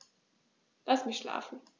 Lass mich schlafen